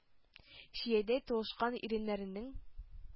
Чиядәй тулышкан иреннәренең,